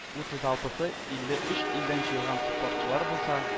Утызалтысы – илле өч илдән җыелган спортчылар булса